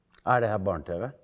er det her barne-tv?